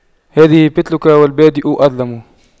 هذه بتلك والبادئ أظلم